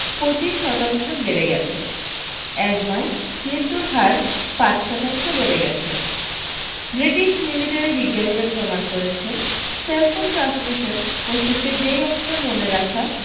পঁচিশ শতাংশ বেড়ে গেছে অ্যাজমায় মৃত্যুর হার পাঁচ শতাংশ বেড়ে গেছে ব্রিটিশ মিলিটারি বিজ্ঞানীরা প্রমাণ করেছেন সেলফোন ট্রান্সমিশন মস্তিষ্কের যে অংশ মনে রাখা